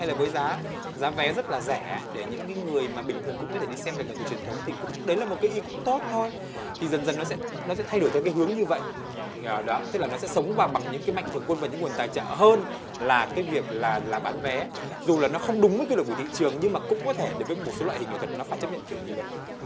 hay là với giá giá vé rất là rẻ để những người mà bình thường cũng có thể đi xem được hiện thực truyền thống thì cũng đấy là một cái ý cũng tốt thôi thì dần dần nó sẽ nó sẽ thay đổi theo hướng như vậy nhờ đó tức là nó sẽ sống và bằng những mạnh thường quân và những nguồn tài trợ hơn là cái việc là là bán vé dù là nó không đúng với quy luật của thị trường nhưng cũng có thể đến với một số loại hình nghệ thuật nó phải chấp nhận kiểu như vậy